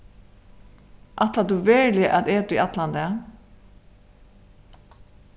ætlar tú veruliga at eta í allan dag